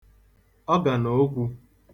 ogan okwu